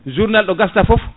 journal ɗo gasata foof